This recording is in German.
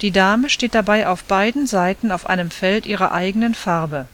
Dame steht dabei auf beiden Seiten auf einem Feld ihrer eigenen Farbe